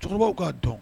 Cɛkɔrɔbaw ka dɔn